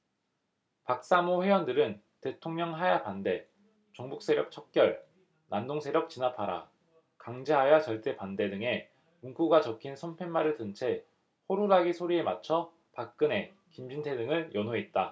박사모 회원들은 대통령하야 반대 종북세력 척결 난동세력 진압하라 강제하야 절대반대 등의 문구가 적힌 손팻말을 든 채 호루라기 소리에 맞춰 박근혜 김진태 등을 연호했다